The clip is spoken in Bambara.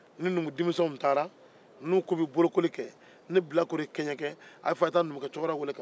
ni numudenmisɛnw taara ni u k'u bɛ bolokoli kɛ ni bilakoro ye kɛɲɛkɛ a bɛ fɔ aw ye taa numu cɛkɔrɔba weele ka na